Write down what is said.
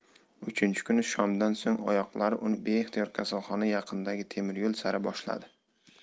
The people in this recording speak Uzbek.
uchinchi kuni shomdan so'ng oyoqlari uni beixtiyor kasalxona yaqinidagi temir yo'l sari boshladi